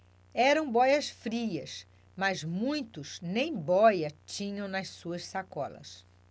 eram bóias-frias mas muitos nem bóia tinham nas suas sacolas